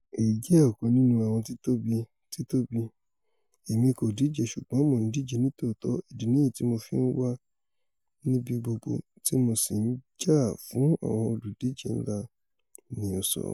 Èyí jẹ́ ọ̀kan nínú àwọn títóbi, títóbi-- Èmi kò díje ṣùgbọ́n Mo ńdíje nítòótọ ìdí nìyí tí Mo fi ńwa níbi gbogbo tí mo sì ńjà fún àwọn olùdíje ńlá,'' ni ó sọ.